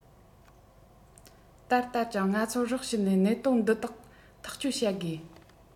དལ དལ ཀྱང ང ཚོར རོགས བྱེད ནས གནད དོན འདི དག ཐག གཅོད བྱ དགོས